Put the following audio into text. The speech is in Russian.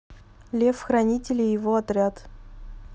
лев хранитель и его отряд